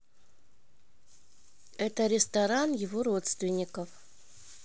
этот ресторан его родственников